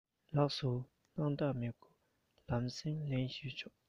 ལགས སོ སྣང དག མི ཡོང ལམ སེང ལན ཞུས ཆོག